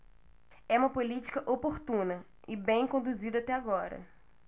é uma política oportuna e bem conduzida até agora